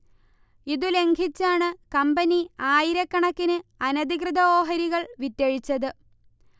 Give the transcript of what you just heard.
ഇതു ലംഘിച്ചാണ് കമ്പനി ആയിരക്കണക്കിന് അനധികൃത ഓഹരികൾ വിറ്റഴിച്ചത്